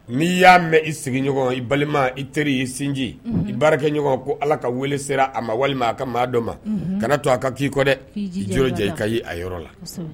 N'i y'a mɛn i sigiɲɔgɔn i balima i teri i sinji i baarakɛɲɔgɔn ko Ala ka wele sera a ma walima a ka maa dɔ ma, unhun, kan'a to a ka k'i kɔ dɛ, i jilaja i ka ye a yɔrɔ la, kosɛbɛ